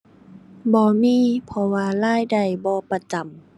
บ่มี เพราะว่ารายได้บ่ประจำ